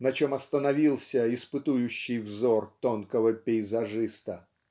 на чем остановился испытующий взор тонкого пейзажиста.